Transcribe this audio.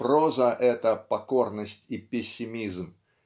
проза -- это покорность и пессимизм